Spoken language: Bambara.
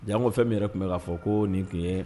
Jaa ko fɛn min yɛrɛ tun bɛ k'a fɔ ko nin tun ye